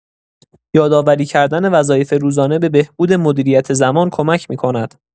یادآوری کردن وظایف روزانه به بهبود مدیریت زمان کمک می‌کند.